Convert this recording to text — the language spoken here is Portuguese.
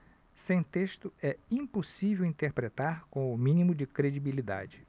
sem texto é impossível interpretar com o mínimo de credibilidade